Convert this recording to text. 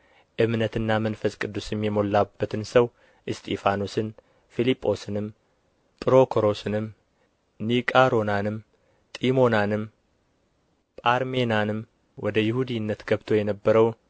እምነትና መንፈስ ቅዱስም የሞላበትን ሰው እስጢፋኖስን ፊልጶስንም ጵሮኮሮስንም ኒቃሮናንም ጢሞናንም ጳርሜናንም ወደ ይሁዲነት ገብቶ የነበረውን